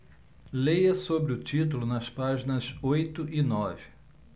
leia sobre o título nas páginas oito e nove